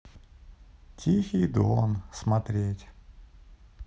тихий дон смотреть